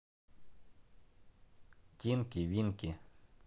тинки винки